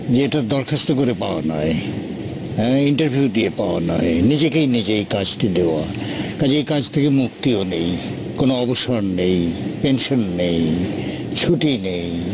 যেটা দরখাস্ত করে পাওয়া নয় ইন্টারভিউ দিয়ে পাওয়া নয় নিজেকেই নিজে কাজটি দেয়া কাজেই কাছ থেকে মুক্তি ও নেই কোন অবসর নেই পেনশন নেই ছুটি নেই